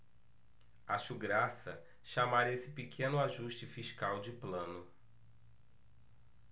acho graça chamar esse pequeno ajuste fiscal de plano